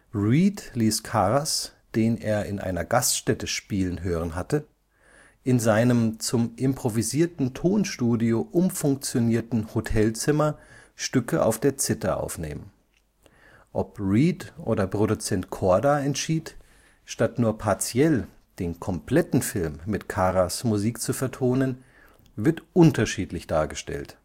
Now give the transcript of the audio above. Reed ließ Karas, den er in einer Gaststätte spielen hören hatte, in seinem zum improvisierten Tonstudio umfunktionierten Hotelzimmer Stücke auf der Zither aufnehmen. Ob Reed oder Produzent Korda entschied, statt nur partiell den kompletten Film mit Karas’ Musik zu vertonen, wird unterschiedlich dargestellt